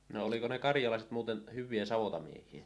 no oliko ne karjalaiset muuten hyviä savottamiehiä